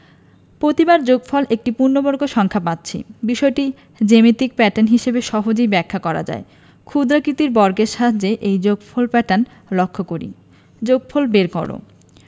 প্রতিবার যোগফল একটি পূর্ণবর্গ সংখ্যা পাচ্ছি বিষয়টি জ্যামিতিক প্যাটার্ন হিসেবে সহজেই ব্যাখ্যা করা যায় ক্ষুদ্রাকৃতির বর্গের সাহায্যে এই যোগফল প্যাটার্ন লক্ষ করি যোগফল বের করঃ